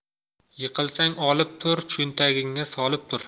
yiqilsang olib tur cho'ntagingga solib tur